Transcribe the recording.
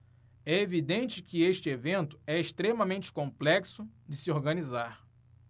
é evidente que este evento é extremamente complexo de se organizar